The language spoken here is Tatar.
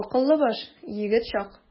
Акыллы баш, егет чак.